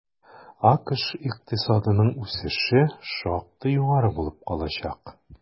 АКШ икътисадының үсеше шактый югары булып калачак.